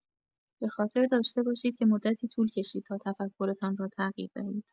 به‌خاطر داشته باشید که مدتی طول کشید تا تفکرتان را تغییر دهید.